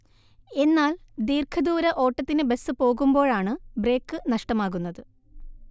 എന്നാൽ ദീർഘദൂര ഓട്ടത്തിന് ബസ് പോകുമ്പോഴാണ് ബ്രേക്ക് നഷ്ടമാകുന്നത്